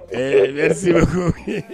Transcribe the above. Ɛɛ merci beaucoup